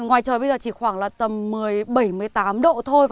ngoài trời bây giờ chỉ khoảng là tầm mười bẩy mươi tám độ thôi